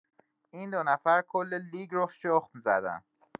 این دو نفر کل لیگ رو شخم زدن.